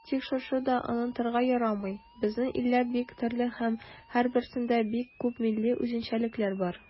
Тик шуны да онытырга ярамый, безнең илләр бик төрле һәм һәрберсендә бик күп милли үзенчәлекләр бар.